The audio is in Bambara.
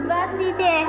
baasi tɛ